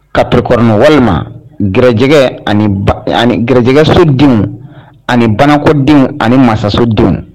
Ka prik walima gjɛgɛ ani ani gjɛgɛso denw ani banakodenw ani mansasodenw